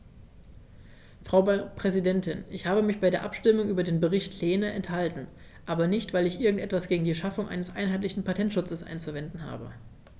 Frau Präsidentin, ich habe mich bei der Abstimmung über den Bericht Lehne enthalten, aber nicht, weil ich irgend etwas gegen die Schaffung eines einheitlichen Patentschutzes einzuwenden habe.